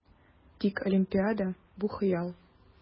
Тик Олимпиада - бу хыял!